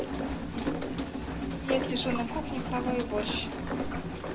я сижу на кухне хаваю борщ